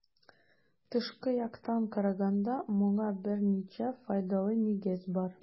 Тышкы яктан караганда моңа берничә файдалы нигез бар.